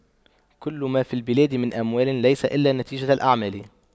كل ما في البلاد من أموال ليس إلا نتيجة الأعمال